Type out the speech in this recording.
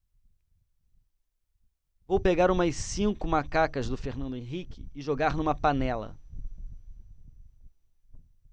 vou pegar umas cinco macacas do fernando henrique e jogar numa panela